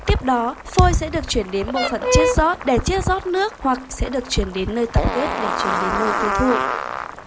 tiếp đó phôi sẽ được chuyển đến bộ phận chiết rót để chiết rót nước hoặc sẽ được chuyển đến nơi tập kết để chuyển đến nơi tiêu thụ